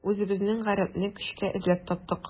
Үзебезнең гарәпне көчкә эзләп таптык.